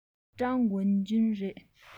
ཀྲང ཝུན ཅུན རེད